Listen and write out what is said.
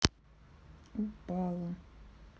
упала